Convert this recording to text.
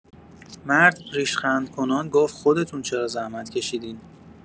مرد ریشخندکنان گفت خودتون چرا زحمت کشیدین؟